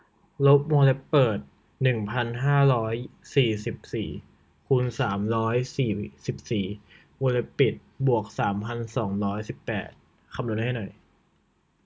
ลบวงเล็บเปิดหนึ่งพันห้าร้อยสี่สิบสี่คูณสามร้อยสี่สิบสี่วงเล็บปิดบวกสามพันสองร้อยสิบแปดคำนวณให้หน่อย